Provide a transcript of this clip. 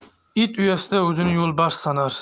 it uyasida o'zini yo'lbars sanar